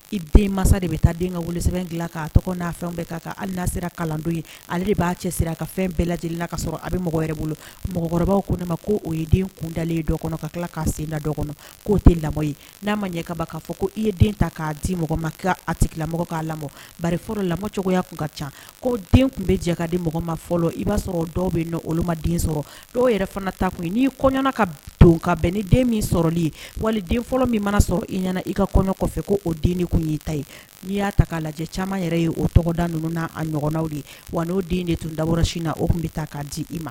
I den masa de bɛ taa den ka sɛbɛn' tɔgɔ n'a fɛn bɛɛ k' sera kalan ye ale de b'a cɛsira a ka fɛn bɛɛ lajɛlenla ka a bɛ mɔgɔ wɛrɛ bolo mɔgɔkɔrɔba ko ne ma ko o ye den kun dalen kɔnɔ ka tila k' sen la kɔnɔ k'o tɛ lamɔ n'a ma ɲɛkaba k'a fɔ ko i ye den ta k'a di mɔgɔma a tigilamɔgɔ k'a lamɔ fɔlɔ lacogoya kun ka ca ko den tun bɛ jɛ ka di mɔgɔ ma fɔlɔ i b'a sɔrɔ dɔw bɛ olu ma den sɔrɔ dɔw yɛrɛ fana ta kun n'i kɔɲɔɲ ka to ka bɛn ni den min sɔrɔli ye wali den fɔlɔ min mana sɔrɔ i nana i ka kɔnɔ kɔfɛ ko o den de tun ye ta ye n'i y'a ta lajɛ caman yɛrɛ ye o tɔgɔda ninnu a ɲɔgɔnw de ye wa n'o den de tun dasi na o tun bɛ ta k'a di i ma